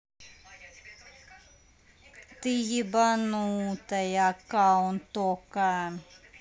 ты ебанутая аккаунт okko